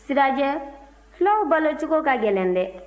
sirajɛ fulaw balocogo ka gɛlɛn dɛ